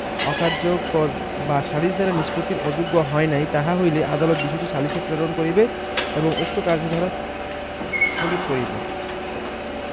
অকার্যকর বা সালিস দ্বারা নিষ্পত্তির অযোগ্য হয় নাই তাহা হইলে আদালত বিষয়টি সালিসে প্রেরণ করিবে এবং উক্ত কার্যধারা স্থগিত করিবে